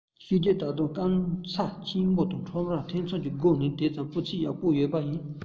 གཤིས རྒྱུད ད དུང སྐམ ས ཆེན མོ ལས ཁྲོམ རའི ཐོག བཙོང གི སྒོ ང དེ ལས སྤུས ཚད ཡག པོ ཡོད པ ཡིན